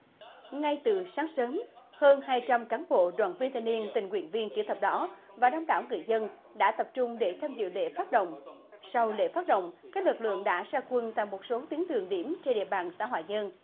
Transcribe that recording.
ngay từ sáng sớm hơn hai trăm cán bộ đoàn viên thanh niên tình nguyện viên chữ thập đỏ và đông đảo người dân đã tập trung để tham dự lễ phát động sau lễ phát động các lực lượng đã ra quân tại một số tuyến đường điểm trên địa bàn xã hoài nhơn